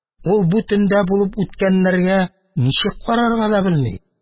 Ул бу төндә булып үткәннәргә ничек карарга да белми,